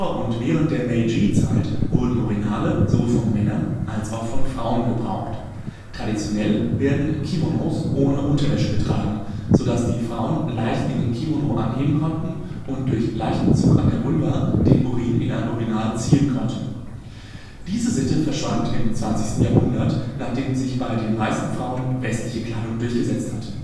und während der Meiji-Zeit wurden Urinale sowohl von Männern als auch von Frauen gebraucht. Traditionell werden Kimonos ohne Unterwäsche getragen, so dass die Frauen leicht ihren Kimono anheben konnten und durch leichten Zug an der Vulva den Urin in ein Urinal zielen konnten. Diese Sitte verschwand im 20. Jahrhundert, nachdem sich bei den meisten Frauen westliche Kleidung durchgesetzt hatte